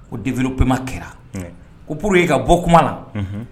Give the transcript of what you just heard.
Ko denv koma kɛra kooro ye ka bɔ kuma na